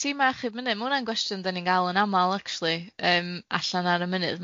Ia tima achub mynydd, ma' hwnna'n gwestiwn 'dan ni'n ga'l yn amal acshyli yym allan ar y mynydd.